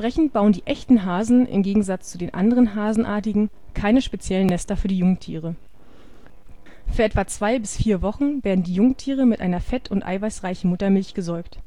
bauen die Echten Hasen im Gegensatz zu den anderen Hasenartigen keine speziellen Nester für die Jungtiere. Für etwa zwei bis vier Wochen werden die Jungtiere mit einer fett - und eiweißreichen Muttermilch gesäugt